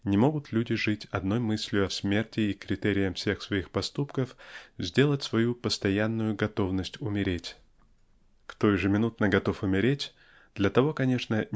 Не могут люди жить одной мыслью о смерти и критерием всех своих поступков сделать свою постоянную готовность умереть. Кто ежеминутно готов умереть для того конечно